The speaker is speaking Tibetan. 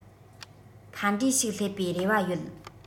ཕན འབྲས ཞིག སླེབས པའི རེ བ ཡོད